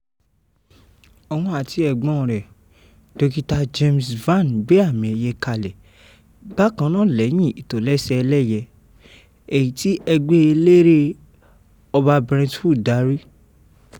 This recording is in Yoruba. Òun àti ẹ̀gbọ́n rẹ̀ Dr James Vann gbé àmì ẹ̀yẹ kalẹ̀ bakan náà lẹ́yìn ìtòlẹ́ṣẹ ẹlẹ́yẹ, èyí tí ẹgbẹ́ eléré ọba Brentwood darí.